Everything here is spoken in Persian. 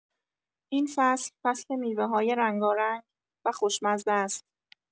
این فصل، فصل میوه‌های رنگارنگ و خوشمزه است.